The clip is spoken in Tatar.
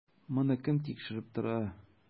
Моны кем тикшереп тора?